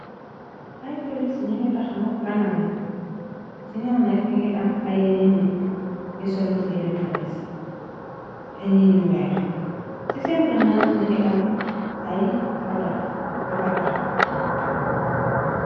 Ay polis ñu ngi taxaw rangaland, ci ñoom na bingi am ay yeneen nit, yi solut yire polis, ay ñi ñu weex, ci seen gënna mangi am ay auto yu fa taxaw.